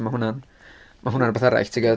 Mae hwnna'n... ma hwnna'n rwbeth arall ti gwbod.